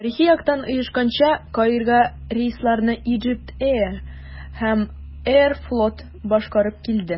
Тарихи яктан оешканча, Каирга рейсларны Egypt Air һәм «Аэрофлот» башкарып килде.